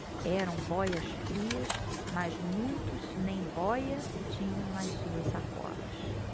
eram bóias-frias mas muitos nem bóia tinham nas suas sacolas